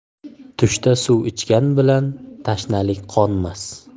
tushda suv ichgan bilan tashnalik qonmas